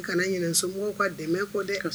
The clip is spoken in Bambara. U kana ɲinɛ somɔgɔw ka dɛmɛ kɔ dɛ, kos